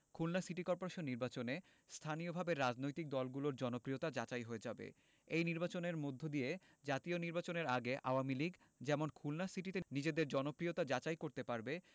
Khulna city corporation নির্বাচনে স্থানীয়ভাবে রাজনৈতিক দলগুলোর জনপ্রিয়তা যাচাই হয়ে যাবে এই নির্বাচনের মধ্য দিয়ে জাতীয় নির্বাচনের আগে আওয়ামী লীগ যেমন খুলনা সিটিতে নিজেদের জনপ্রিয়তা যাচাই করতে পারবে